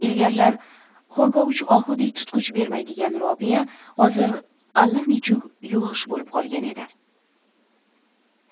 ilgarilar hurkovich ohudek tutqich bermaydigan robiya hozir allanechuk yuvosh bo'lib qolgan edi